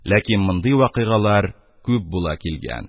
Ләкин мондый вакыйгалар күп була килгән